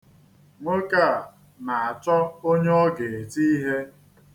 Nwoke a na-achọ onye ọ ga-etị ihe.